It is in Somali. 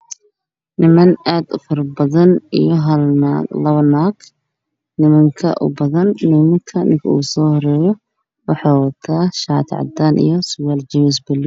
Niman aad u fara badan iyo hal naag labo naag nimankaa u nadan midkaan ugu soo horeeyo shaati cadaan surwaal jeemis baluug.